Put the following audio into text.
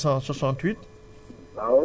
77 568